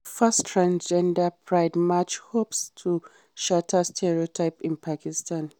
First transgender pride march hopes to shatter stereotypes in Pakistan